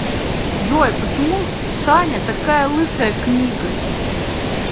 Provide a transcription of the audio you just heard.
джой почему саня такая лысая книга